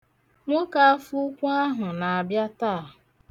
Nwoke afọ ukwu ahụ na-abịa taa.